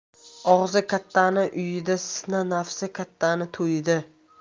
og'zi kattani uyida sina nafsi kattani to'yida